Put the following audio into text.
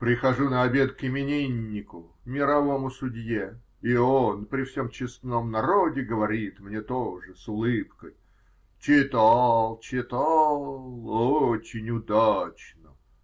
Прихожу на обед к имениннику, мировому судье, и он при всем честном народе говорит мне, тоже с улыбкой: -- Читал, читал -- очень удачно.